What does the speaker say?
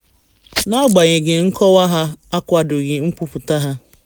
N'agbanyeghị, nkọwa ha akwadoghị nkwupụta ha: